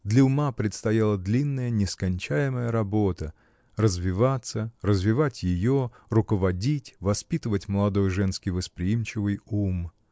Для ума предстояла длинная, нескончаемая работа — развиваться, развивать ее, руководить, воспитывать молодой, женский, восприимчивый ум.